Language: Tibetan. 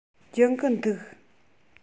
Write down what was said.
སྦྱོང གི འདུག